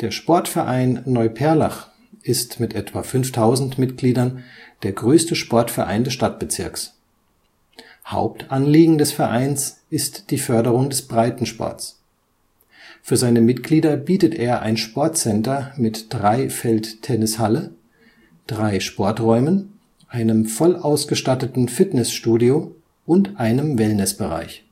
Sportverein Neuperlach) ist mit etwa 5000 Mitgliedern der größte Sportverein des Stadtbezirks. Hauptanliegen des Vereins ist die Förderung des Breitensports. Für seine Mitglieder bietet er ein Sportcenter mit 3-Feld-Tennishalle, drei Sporträumen, einem voll ausgestatteten Fitness-Studio und einem Wellnessbereich